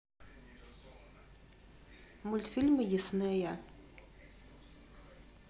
мультфильмы диснея